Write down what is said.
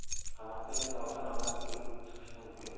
qamoqdan esa eson omon qutulib chiqish mumkin